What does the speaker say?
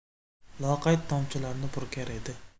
loqayd tomchilarini purkar edi